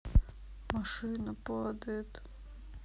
машина падает